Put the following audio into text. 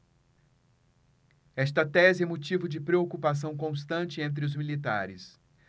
esta tese é motivo de preocupação constante entre os militares